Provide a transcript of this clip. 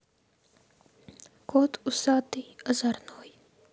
кот усатый озорной